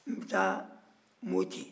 n bɛ taa moti